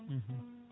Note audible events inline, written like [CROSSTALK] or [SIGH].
[HESITATION] [HESITATION]